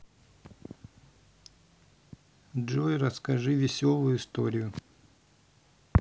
джой расскажи веселую историю